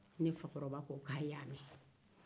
ne fakɔrɔba ko k'a ye a mɛn